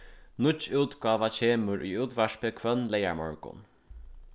nýggj útgáva kemur í útvarpið hvønn leygarmorgun